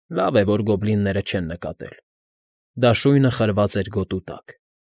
Լավ է, որ գոբլինները չեն նկատել. դաշույնը խրված էր գոտու տակ։